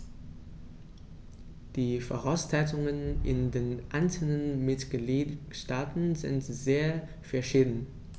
Die Voraussetzungen in den einzelnen Mitgliedstaaten sind sehr verschieden.